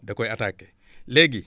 da koy attaqué léegi